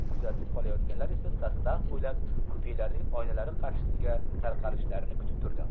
kuzatib kelayotganlar esa sostav bo'ylab kupelarning oynalari qarshisiga tarqalishlarini kutib turdim